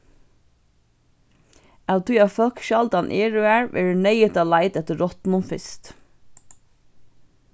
av tí at fólk sjáldan eru har verður neyðugt at leita eftir rottunum fyrst